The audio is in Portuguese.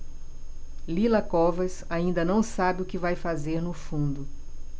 lila covas ainda não sabe o que vai fazer no fundo